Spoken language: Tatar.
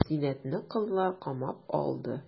Зиннәтне кызлар камап алды.